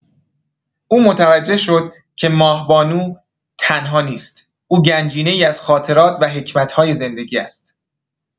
او متوجه شد که ماه‌بانو تنها نیست؛ او گنجینه‌ای از خاطرات و حکمت‌های زندگی است.